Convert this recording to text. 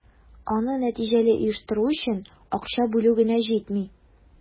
Аны нәтиҗәле оештыру өчен акча бүлү генә җитми.